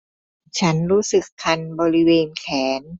ฉันรู้สึกคันบริเวณแขน